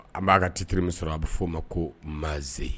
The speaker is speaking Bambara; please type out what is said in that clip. An b'a ka titiri min sɔrɔ a bɛ f'o ma ko mazeyi